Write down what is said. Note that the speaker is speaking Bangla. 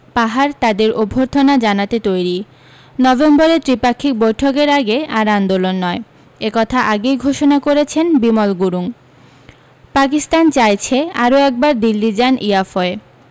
পাহাড় তাঁদের অভ্যর্থনা জানাতে তৈরী নভেম্বরে ত্রিপাক্ষিক বৈঠকের আগে আর আন্দোলন নয় একথা আগেই ঘোষণা করেছেন বিমল গুরুং পাকিস্তান চাইছে আরও একবার দিল্লী যান ইয়াফই